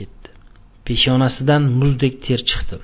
peshonasidan muzdek ter chiqdi